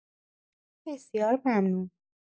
بسیار ممنون.